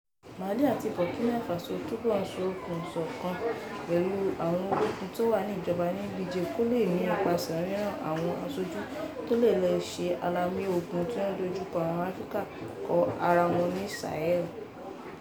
Mali àti Burkina Faso túbọ̀ ń so okùn ìṣọ̀kan pẹ̀lú àwọn ológun tó wà ní ìjọba ní Niger kó le nípasẹ̀ ríràn awọn aṣojú tó le lọ̀ ṣe alamí ogun tó ń dojú àwọn Áfíríkà kọ ara wọn ní sahel.